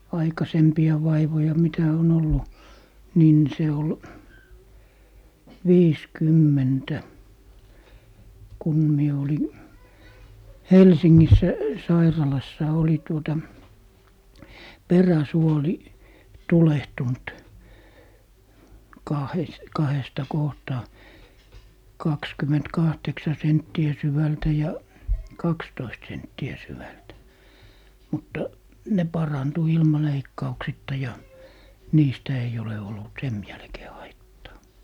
aikaisempia vaivoja mitä on ollut niin se oli viisikymmentä kun minä olin Helsingissä sairaalassa oli tuota peräsuoli tulehtunut - kahdesta kohtaa kaksikymmentäkahdeksan senttiä syvältä ja kaksitoista senttiä syvältä mutta ne parantui ilman leikkauksitta ja niistä ei ole ollut sen jälkeen haittaa